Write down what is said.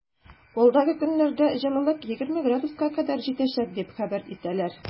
Алдагы көннәрдә җылылык 20 градуска кадәр җитәчәк дип хәбәр итәләр.